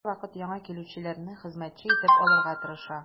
Ул һәрвакыт яңа килүчеләрне хезмәтче итеп алырга тырыша.